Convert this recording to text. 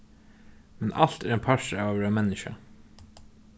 men alt er ein partur av at vera menniskja